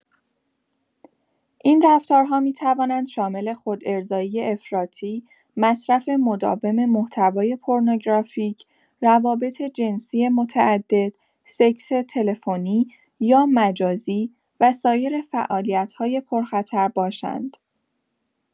این رفتارها می‌توانند شامل خودارضایی افراطی، مصرف مداوم محتوای پورنوگرافیک، روابط جنسی متعدد، سکس تلفنی یا مجازی و سایر فعالیت‌های پرخطر باشند.